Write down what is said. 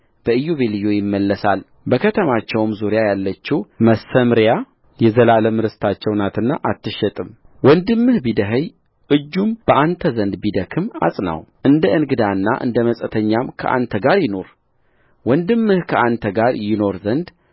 በኢዮቤልዩ ይመለሳልበከተማቸውም ዙሪያ ያለችው መሰምርያ የዘላለም ርስታቸው ናትና አትሸጥምወንድምህ ቢደኸይ እጁም በአንተ ዘንድ ቢደክም አጽናው እንደ እንግዳና እንደ መጻተኛም ከአንተ ጋር ይኑርወንድምህ ከአንተ ጋር ይኖር ዘንድ